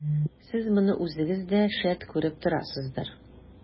Сез моны үзегез дә, шәт, күреп торасыздыр.